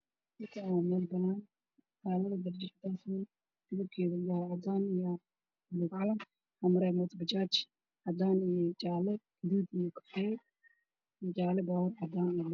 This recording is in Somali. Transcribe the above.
Halkaan waa laami waxaa ka muuqda gaari cadaan iyo 4 bajaaj oo guduud midna waa cadaan